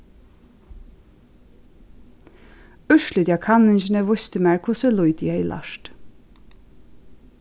úrslitið av kanningini vísti mær hvussu lítið eg hevði lært